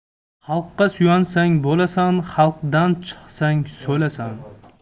xalqqa suyansang bo'lasan xalqdan chiqsang so'lasan